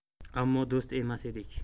ammo do'st emas edik